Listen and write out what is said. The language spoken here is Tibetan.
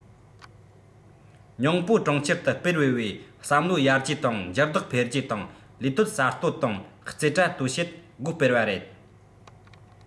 ཉིང པོ གྲོང ཁྱེར དུ སྤེལ བའི བས བསམ བློ ཡར རྒྱས དང འགྱུར ལྡོག འཕེལ རྒྱས དང ལས གཏོད གསར གཏོད དང རྩེ གྲ གཏོད བྱེད སྒོ སྤེལ བ རེད